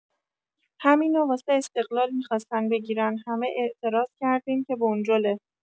همینو واسه استقلال می‌خواستن بگیرن همه اعتراض کردین که بنجله